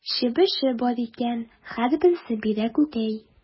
Чебеше бар икән, һәрберсе бирә күкәй.